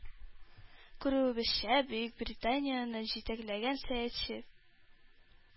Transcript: Күрүебезчә, Бөекбританияне җитәкләгән сәясәтче